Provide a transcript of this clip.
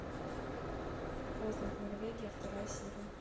познер норвегия вторая серия